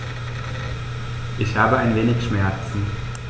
Ich habe ein wenig Schmerzen.